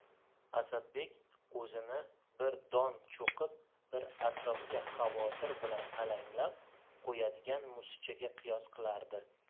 asadbek o'zini bir don cho'qib bir atrofga xavotir bilan alanglab qo'yadigan musichaga qiyos qilardi